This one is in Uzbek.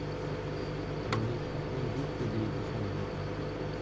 meniki atigi bitta deydi shang'illab